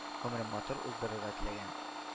Гомерен матур уздырырга теләгән